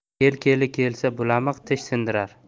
kel keli kelsa bulamiq tish sindirar